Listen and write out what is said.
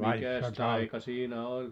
mikäs taika siinä oli